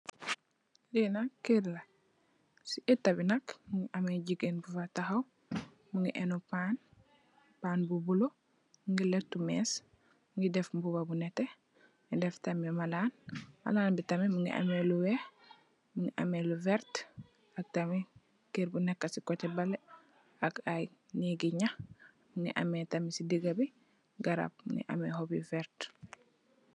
Fee nak kerr la se etabe nak muge ameh jegain bufa tahaw muge eno pan pan bu bulo muge letou mess muge def muba bu neteh def tamin malan malan be tamin muge ameh lu weex muge ameh lu verte ak tamin kerr bu neka se koteh bale ak aye neege naax muge ameh tamin se degabe garab muge ameh hobb yu verte.